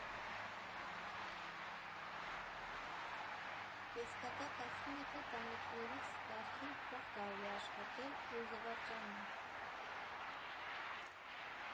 Կեսկատակ ասում է, թե տանիքներից կարգին փող կարելի է աշխատել ու զվարճանալ։